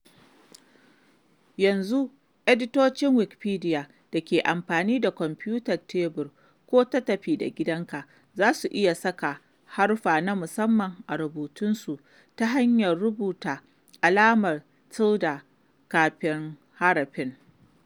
Yanzu, editocin Wikipedia da ke amfani da kwamfutar tebur ko ta tafi-da-gidanka za su iya saka haruffa na musamman a rubutunsu ta hanyar rubuta alamar tilde (~) kafin harafin